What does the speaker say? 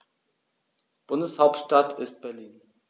Bundeshauptstadt ist Berlin.